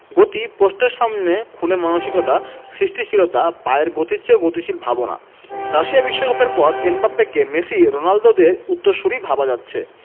গতি পোস্টের সামনে খুনে মানসিকতা সৃষ্টিশীলতা পায়ের গতির চেয়েও গতিশীল ভাবনা রাশিয়া বিশ্বকাপের পর এমবাপ্পেকে মেসি রোনালদোদের উত্তরসূরি ভাবা যাচ্ছে